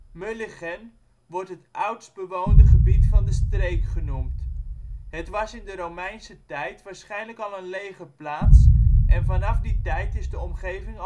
Mulligen wordt het oudst bewoonde gebied van de streek genoemd. Het was in de Romeinse tijd waarschijnlijk al een legerplaats en vanaf die tijd is de omgeving